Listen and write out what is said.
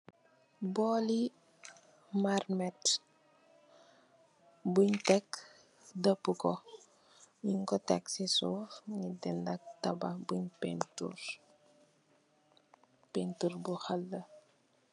Mbaloi marmeit bun tak dapuko ngko tak ci Sue ngko lal pantour.